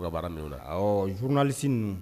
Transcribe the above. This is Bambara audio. baara minɛ u la, awɔ, journalistes ninnu.